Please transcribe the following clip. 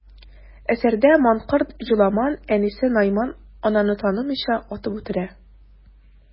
Әсәрдә манкорт Җоламан әнисе Найман ананы танымыйча, атып үтерә.